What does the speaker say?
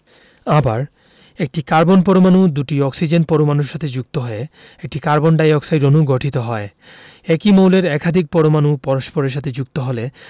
আবার একটি কার্বন পরমানু দুটি অক্সিজেন পরমাণুর সাথে যুক্ত হয়ে একটি কার্বনডাইঅক্সাড অণু গঠিত হয় একি মৌলের একাধিক পরমাণু পরশপরের সাথে যুক্ত হলে